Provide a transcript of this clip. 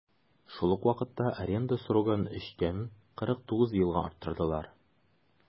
Шул ук вакытта аренда срогын 3 тән 49 елга арттырдылар.